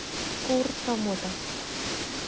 кур шамота